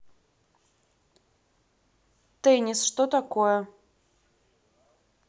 теннис что такое